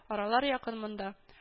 Аралар якын монда